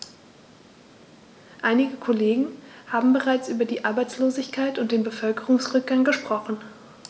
Einige Kollegen haben bereits über die Arbeitslosigkeit und den Bevölkerungsrückgang gesprochen.